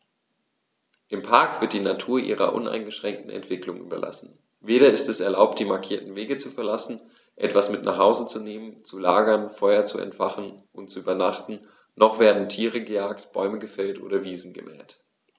Im Park wird die Natur ihrer uneingeschränkten Entwicklung überlassen; weder ist es erlaubt, die markierten Wege zu verlassen, etwas mit nach Hause zu nehmen, zu lagern, Feuer zu entfachen und zu übernachten, noch werden Tiere gejagt, Bäume gefällt oder Wiesen gemäht.